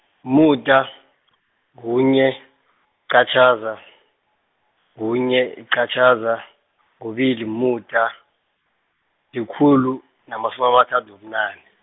umuda , kunye, yicatjhaza , kunye yicatjhaza, kubili umuda, likhulu namasumi amathathu nobunane.